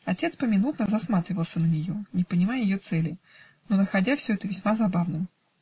Отец поминутно засматривался на нее, не понимая ее цели, но находя все это весьма забавным.